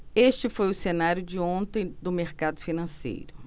este foi o cenário de ontem do mercado financeiro